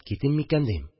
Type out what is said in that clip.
Китим микән, дим?